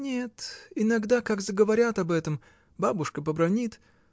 — Нет: иногда, как заговорят об этом, бабушка побранит.